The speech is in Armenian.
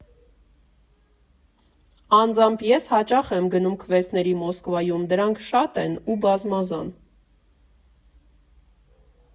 «Անձամբ ես հաճախ եմ գնում քվեսթերի Մոսկվայում, դրանք շատ են ու բազմազան։